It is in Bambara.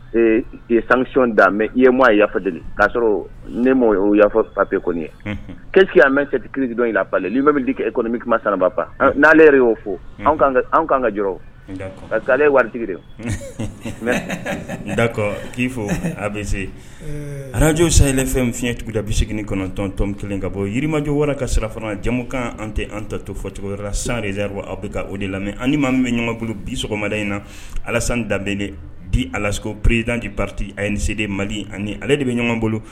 Ee sansɔnon d' mɛ i yemaa ye yafali k'a sɔrɔ ne mako y'o ya fɔ papi kɔni ye kiki'a mɛ cɛti ki dɔn in la'ale li bɛ e kɔnimi kuma sanba pa n'ale yɛrɛ y'o fɔ kanan ka jɔ ka taa ale waritigi mɛ n dakɔ k'i fɔ a bɛ se arajo sanyfɛn f fiɲɛyɛncogoda bɛse kɔnɔntɔntɔntɔnlen ka bɔ jirimajɔ wara ka sira fana jamumukan an tɛ an ta to fɔ cogoyara san zaliribu aw bɛ ka o de lamɛn ani maa bɛ ɲɔgɔn bolo bi sɔgɔmada in na alasan danbe di alaspered di pati a ye seden mali ani ale de bɛ ɲɔgɔn bolo